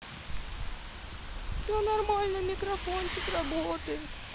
все нормально микрофончик работает